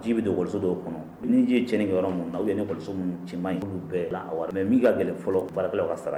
Ji bɛ don école so dɔw kɔnɔ, ni ji ye tiɲɛni kɛ yɔrɔ minnu na ou bien ni école so minnu man ɲi mais min ka gɛlɛ fɔlɔ baarakɛlaw ka sara